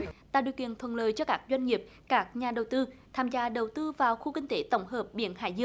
tạo điều kiện thuận lợi cho các doanh nghiệp các nhà đầu tư tham gia đầu tư vào khu kinh tế tổng hợp biển hải dương